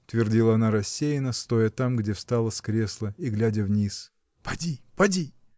— твердила она рассеянно, стоя там, где встала с кресла, и глядя вниз. — Поди, поди!